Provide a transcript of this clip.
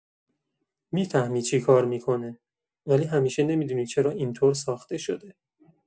می‌فهمی چه کاری می‌کنه، ولی همیشه نمی‌دونی چرا این‌طور ساخته شده.